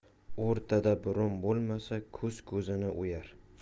o'rtada burun bo'lmasa ko'z ko'zni o'yar